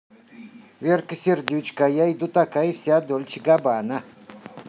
верка сердючка я иду такая вся дольче габбана